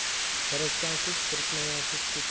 birikkan kuch kuch birikmagan kuch puch